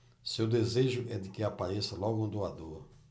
seu desejo é de que apareça logo um doador